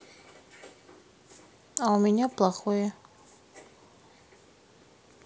а у меня плохое